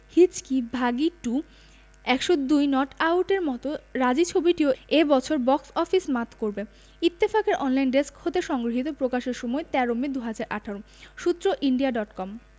Hichki Baaghi two ১০২ not আউটের মতো রাজী ছবিটিও এ বছর বক্স অফিস মাত করবে ইত্তেফাক এর অনলাইন ডেস্ক হতে সংগৃহীত প্রকাশের সময় ১৩ মে ২০১৮ সূত্র ইন্ডিয়া ডট কম